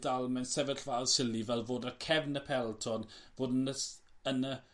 dal mewn sefyllfaodd sili fel fod ar cefn y peleton fod yn y s- yn y